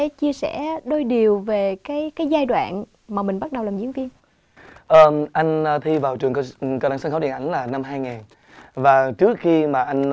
thể chia sẻ đôi điều về cái cái giai đoạn mà mình bắt đầu làm diễn viên anh thi vào trường cao đẳng sân khấu điện ảnh là năm hai ngàn và trước khi mà anh